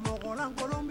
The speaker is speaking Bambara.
Bonkolonlankolon